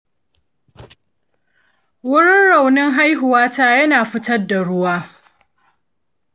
wurin raunin haihuwata yana fitar da ruwa.